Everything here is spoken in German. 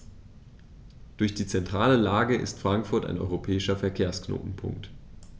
Durch die zentrale Lage ist Frankfurt ein europäischer Verkehrsknotenpunkt.